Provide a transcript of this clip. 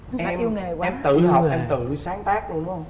em em em tự học em tự sáng tác luôn đúng hông